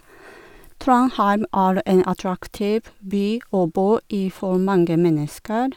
Trondheim er en attraktiv by å bo i for mange mennesker.